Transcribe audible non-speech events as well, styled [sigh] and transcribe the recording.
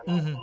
[hesitation] [hesitation]